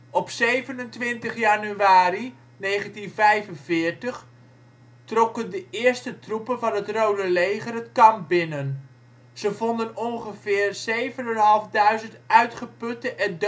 Op 27 januari 1945 trokken de eerste troepen van het Rode Leger het kamp binnen. Ze vonden ongeveer 7500 uitgeputte en